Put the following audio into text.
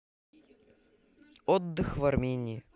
отдых в армении